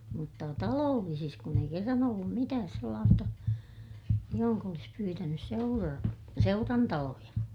mutta talollisissa kun ei kerran ollut mitään sellaista johon olisi pyytänyt - seurantaloja